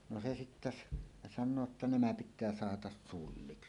no se sitten - sanoo jotta nämä pitää sahata sulliksl